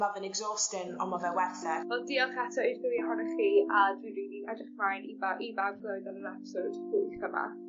ma' fe'n exhausting on' ma' fe werth e. Wel diolch eto i'r ddwy ohonoch chi a dwi rili edrych mlaen i ba- i bawb glywed am yr episod gwych yma.